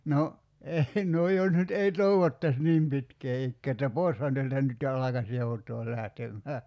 no ei no jos nyt ei toivottaisi niin pitkää ikää että poishan täältä nyt jo alkaisi joutaa lähtemään